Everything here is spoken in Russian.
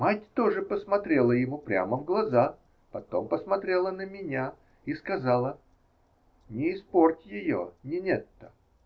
Мать тоже посмотрела ему прямо в глаза, потом посмотрела на меня и сказала: "Не испорть ее, Нинетта".